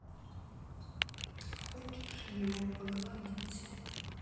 хочешь его погладить